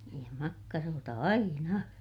niin ja makkaroita aina